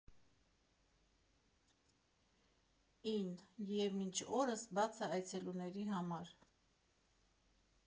֊ին և մինչ օրս բաց է այցելուների համար։